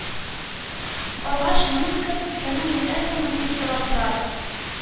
Баргач, моның кем икәнен беләсеңме, дип сорадылар